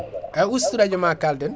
eyyi ustu radio ma go kalden